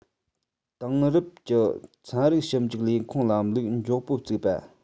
དེང རབས ཀྱི ཚན རིག ཞིབ འཇུག ལས ཁུངས ལམ ལུགས མགྱོགས པོ བཙུགས པ